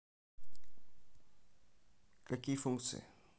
какие функции